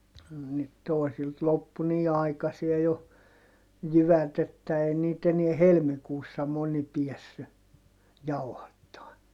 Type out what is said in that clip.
no nyt toisilta loppui niin aikaiseen jo jyvät että ei niitä enää helmikuussa moni päässyt jauhattamaan